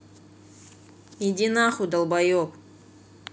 иди нахуй долбоеб